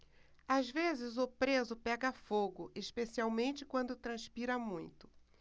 às vezes o preso pega fogo especialmente quando transpira muito